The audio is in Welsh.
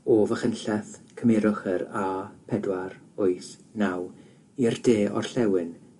O Fachynlleth cymerwch yr a pedwar wyth naw i'r de orllewin